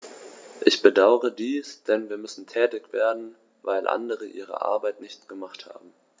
Ich bedauere dies, denn wir müssen tätig werden, weil andere ihre Arbeit nicht gemacht haben.